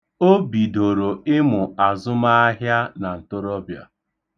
O bidoro ịmụ azụmaahịa na ntorobia.